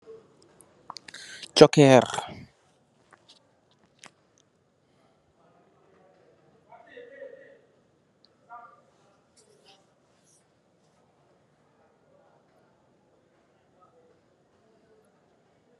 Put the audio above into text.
Lii amb chokerr la